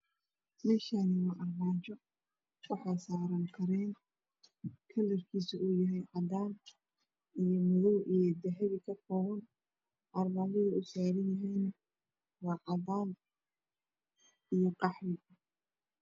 Meshani waa armajo waxaa saran kareen kalr kiisu yahay cadan iyo madow iyo dahabi ka koban armajada uu saran yahay waa cadan iyo qaxwi